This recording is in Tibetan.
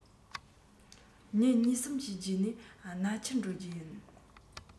ཉིན གཉིས གསུམ གྱི རྗེས ནས ནག ཆུར འགྲོ རྒྱུ ཡིན